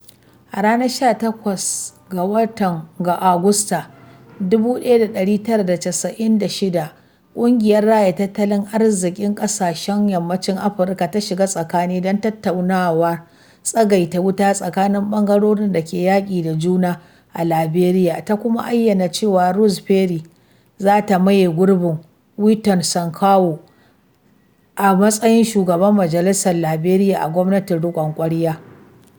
A ranar 18 ga Agustan 1996, Ƙungiyar Raya Tattalin Arziƙin Ƙasashen Yammacin Afirka (ECOWAS) ta shiga tsakani don tattaunawar tsagaita wuta tsakanin ɓangarorin da ke yaƙi da juna a Liberia, ta kuma ayyana cewa Ruth Perry za ta maye gurbin Wilton Sankawulo a matsayin Shugabar Majalisar Liberia a gwamnatin riƙon ƙwarya.